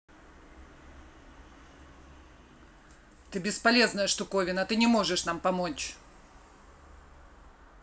ты бесполезная штуковина ты не можешь нам помочь